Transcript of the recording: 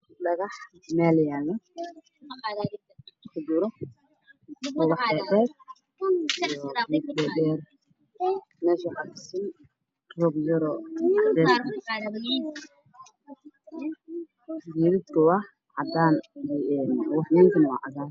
Dhagax meel yaallo ku jiro ubax iyo geedada dheer ubaxa keligiisu waa cagaar iyo caddaan